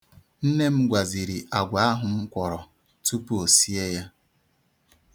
Nne m gwaziri agwa ahụ m kwọrọ tupu o sie ya.